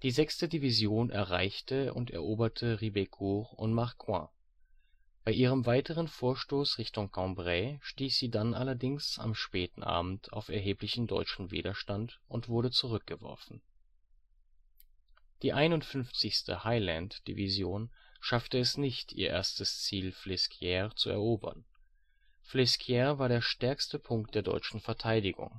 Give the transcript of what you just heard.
6. Division erreichte und eroberte Ribécourt und Marcoing. Bei ihrem weiteren Vorstoß Richtung Cambrai stieß sie dann allerdings am späten Abend auf erheblichen deutschen Widerstand und wurde zurückgeworfen. Die 51. Highland Division schaffte es nicht, ihr erstes Ziel Flesquières zu erobern. Flesquières war der stärkste Punkt der deutschen Verteidigung